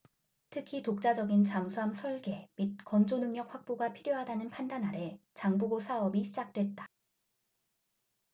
특히 독자적인 잠수함 설계 및 건조 능력 확보가 필요하다는 판단아래 장보고 사업이 시작됐다